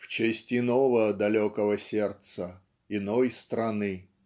в честь иного далекого сердца, иной страны".